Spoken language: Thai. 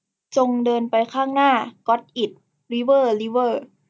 จงเดินไปข้างหน้าก็อทอิทริเวอร์ริเวอร์